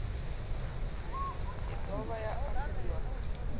китовая акула